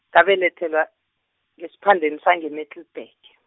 ngabelethelwa, ngesiphandeni sange- Middelburg.